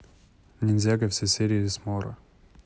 ниндзяго все серии с моро